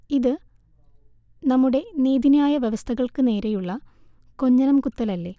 ഇത് നമ്മുടെ നീതിന്യായ വ്യവസ്ഥകൾക്ക് നേരെയുള്ള കൊഞ്ഞനം കുത്തലല്ലേ